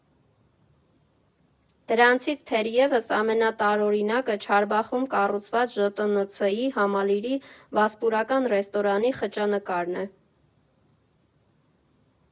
Դրանցից թերևս ամենատարօրինակը Չարբախում կառուցված ԺՏՆՑ֊ի համալիրի «Վասպուրական» ռեստորանի խճանկարն է։